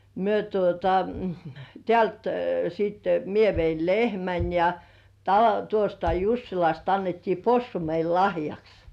me tuota täältä sitten minä vein lehmän ja - tuosta Jussilasta annettiin possu meille lahjaksi